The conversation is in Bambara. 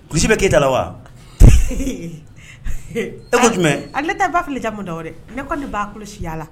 Gosi bɛ keeyita la wa e ko jumɛn ale tɛ bakelenjamu da ne ko ne baa kɔlɔsi siya la